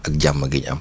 ak jàmm gi ñu am